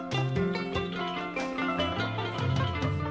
Maaunɛ